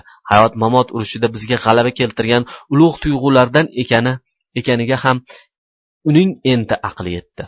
hayot mamot urushida bizga g'alaba keltirgan ulug' tuyg'ulardan ekaniga ham uning endi aqli yetdi